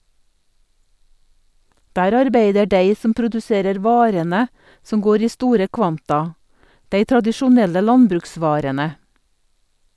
Der arbeider dei som produserer varene som går i store kvanta, dei tradisjonelle landbruksvarene.